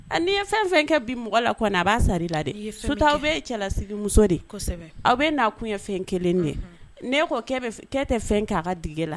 Ɛ n'i ye fɛn fɛn kɛ bi mɔgɔ la kɔni a b'a sar'i la dɛ surtout aw bɛ ye cɛlasigimuso de ye kɔsɛbɛ aw bɛ nakun ye fɛn 1 de ye unhun n'e ko k'e bɛ f k'ɛ tɛ fɛn kɛ a ka digi e la